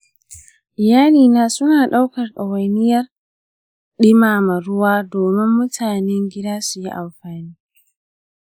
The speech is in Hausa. iyalina su na ɗaukar ɗawainiyar ɗimama ruwa domin mutanen gida su yi amfani.